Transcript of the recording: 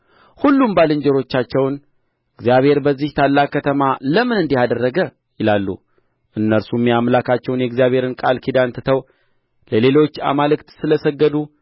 ሁሉም ባልንጀሮቻቸውን እግዚአብሔር በዚህች ታላቅ ከተማ ለምን እንዲህ አደርገ ይላሉ እነርሱም የአምላካቸውን የእግዚአብሔርን ቃል ኪዳን ትተው ለሌሎች አማልክት ስለ ሰገዱ